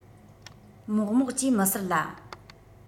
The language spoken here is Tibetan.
མོག མོག ཅེས མི ཟེར ལ